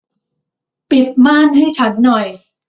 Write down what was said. ปิดม่านให้ฉันหน่อย